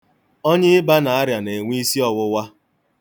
Onye ịba na-arịa na-enwe isi ọwụwa.